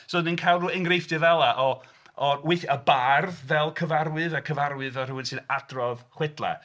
So dan ni'n cael rhyw engreifftiau fela... o- o weithiau y bardd fel cyfarwydd... a cyfarwydd fel rhywun sy'n adrodd chwedlau.